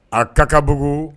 A ta kabugu